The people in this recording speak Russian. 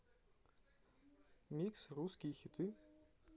микс русские хиты